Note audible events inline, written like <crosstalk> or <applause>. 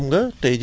<hesitation> <hesitation>